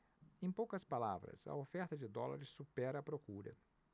em poucas palavras a oferta de dólares supera a procura